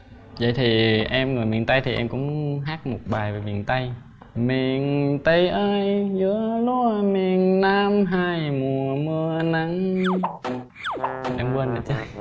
vậy thì em người miền tây thì em cũng hát một bài về miền tây miền tây ơi nhớ lúa miền nam hai mùa mưa nắng em quên rồi chị